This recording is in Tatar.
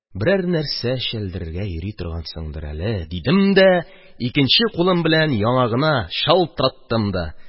Берәр нәрсә чәлдерергә йөри торгансың әле, – дидем дә, икенче кулым белән яңагына чалтыраттым да.